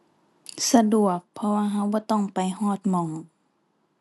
สะดวก เพราะว่าเราบ่ต้องไปฮอดหม้อง